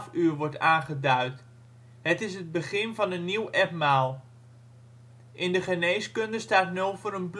uur wordt aangeduid; het is het begin van een nieuw etmaal. In de geneeskunde staat 0 voor een bloedgroep